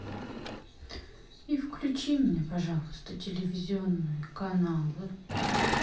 и включи мне пожалуйста телевизионные каналы